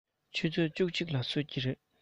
ཆུ ཚོད བཅུ གཅིག ལ གསོད ཀྱི རེད